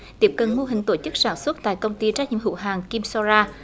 tiếp cận mô hình tổ chức sản xuất tại công ty trách nhiệm hữu hạn kim so ra